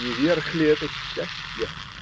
Не верх ли это счастья?